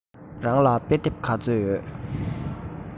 རང ལ དཔེ དེབ ག ཚོད ཡོད